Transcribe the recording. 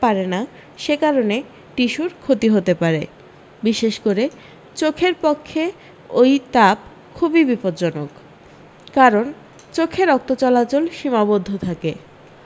পারে না সে কারণে টিস্যুর ক্ষতি হতে পারে বিশেষ করে চোখের পক্ষে ওই তাপ খুবি বিপদজ্জনক কারণ চোখে রক্তচলাচল সীমাবদ্ধ থাকে